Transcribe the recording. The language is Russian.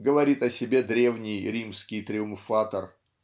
-- говорит о себе древний римский триумфатор.